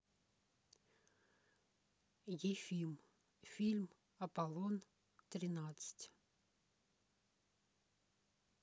ефим фильм аполлон тринадцать